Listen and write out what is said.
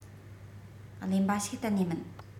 གླེན པ ཞིག གཏན ནས མིན